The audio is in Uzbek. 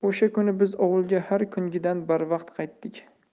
o'sha kuni biz ovulga har kungidan barvaqt qaytdik